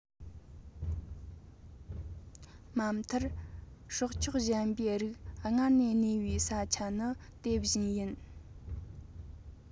མ མཐར སྲོག ཆགས གཞན པའི རིགས སྔར ནས གནས པའི ས ཆ ནི དེ བཞིན ཡིན